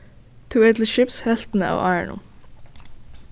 tú er til skips helvtina av árinum